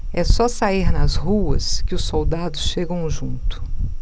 é só sair nas ruas que os soldados chegam junto